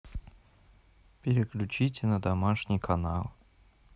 переключите на домашний канал